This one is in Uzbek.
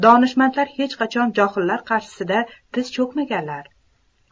donishmandlar hech qachon johillar qarshisida tiz cho'kmaganlar